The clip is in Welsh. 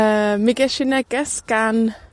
Yy, mi gesh i neges gan...